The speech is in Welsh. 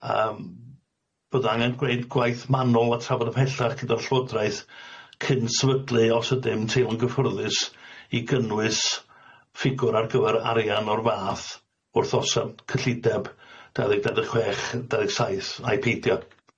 Yym bydda angen gweud gwaith manwl a trafod ymhellach gyda'r llywodraeth cyn sefydlu os ydym teimlo'n gyffyrddus i gynnwys ffigwr ar gyfer arian o'r fath wrth osan- cyllideb dau ddeg dau deg chwech dau ddeg saith a'i peidio.